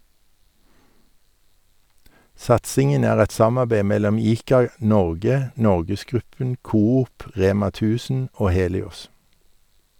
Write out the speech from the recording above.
Satsingen er et samarbeid mellom ICA-Norge, NorgesGruppen, Coop, Rema 1000 og Helios.